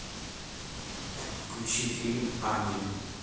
включи фильм амели